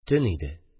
Төн иде.